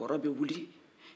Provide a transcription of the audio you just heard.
kɔrɔ bɛ wuli